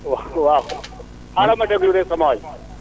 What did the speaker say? wa waaw xaaral ma déglu rek sama waay